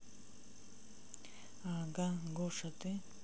ага гоша ты